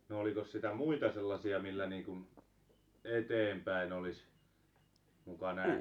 no olikos sitä muita sellaisia millä niin kuin eteenpäin olisi muka -